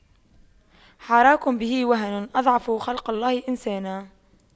حراك به وهن أضعف خلق الله إنسانا